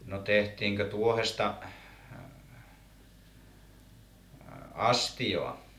no tehtiinkö tuohesta astiaa